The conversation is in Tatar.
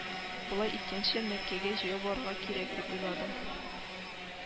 Болай иткәнче, Мәккәгә җәяү барырга кирәк , дип уйлады